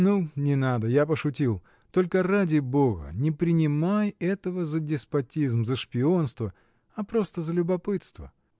— Ну, не надо, — я пошутил: только, ради Бога, не принимай этого за деспотизм, за шпионство, а просто за любопытство.